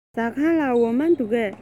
ཟ ཁང ལ འོ མ འདུག གས